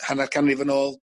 hanner canrif yn ôl